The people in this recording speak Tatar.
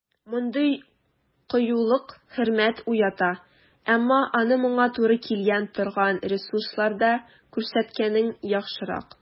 Мондый кыюлык хөрмәт уята, әмма аны моңа туры килә торган ресурсларда күрсәткәнең яхшырак.